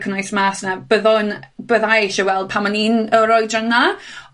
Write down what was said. cynnwys mas na bydd o'n, byddai eise weld pan o'n i'n yr oedran 'na.